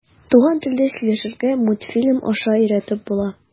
Туган телдә сөйләшергә мультфильм аша өйрәтеп була.